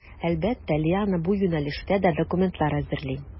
Әлбәттә, Лиана бу юнәлештә дә документлар әзерли.